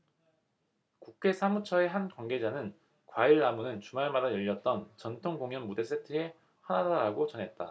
국회 사무처의 한 관계자는 과일나무는 주말마다 열렸던 전통공연 무대세트의 하나다라고 전했다